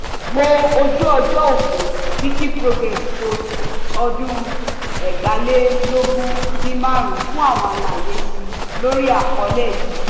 Wó ojú-òpó Wikiprogress post-2015 fún àlàyé síi lórí àkọ́lé yìí.